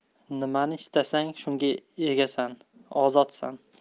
nimani istasang shunga egasan ozodsan